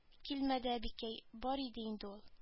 Килмәде әбекәй бар иде инде ул